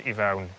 i fewn